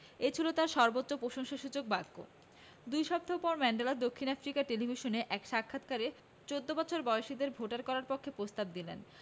এ ছিল তাঁর সর্বোচ্চ প্রশংসাসূচক বাক্য দুই সপ্তাহ পর ম্যান্ডেলা দক্ষিণ আফ্রিকার টেলিভিশনে এক সাক্ষাৎকারে ১৪ বছর বয়সীদের ভোটার করার পক্ষে প্রস্তাব দিলেন